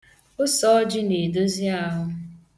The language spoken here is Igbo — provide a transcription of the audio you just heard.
Osọọjị na-edozi ahụ.